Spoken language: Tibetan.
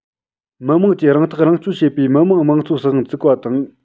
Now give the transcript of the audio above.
མི དམངས ཀྱིས རང ཐག རང གཅོད བྱེད པའི མི དམངས དམངས གཙོའི སྲིད དབང བཙུགས པ དང